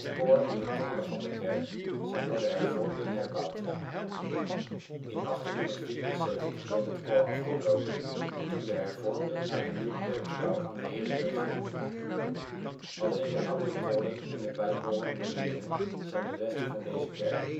koor en de toren van de kerk zijn door de hervormden herbouwd. In 1874 werd het koor afgebroken toen de hervormden naar een nieuw kerkgebouw aan de Herenweg gingen. Alleen de Oude Toren en de bijbehorende ruïne zijn de resten van deze kerk